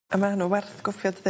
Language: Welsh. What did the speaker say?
A ma' hwnnw werth gwffio dydi?